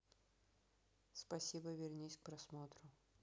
спасибо вернись к просмотру